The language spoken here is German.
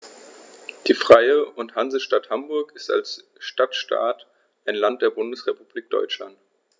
Die Freie und Hansestadt Hamburg ist als Stadtstaat ein Land der Bundesrepublik Deutschland.